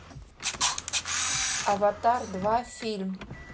аватар два фильм